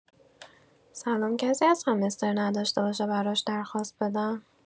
سلام کسی هست همستر نداشته باشه براش درخواست بدم